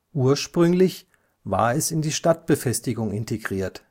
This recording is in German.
Ursprünglich war es in die Stadtbefestigung integriert